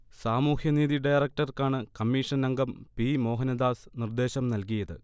സാമൂഹ്യനീതി ഡയറക്ടർക്കാണ് കമ്മിഷൻ അംഗം പി. മോഹനദാസ് നിർദേശം നൽകിയത്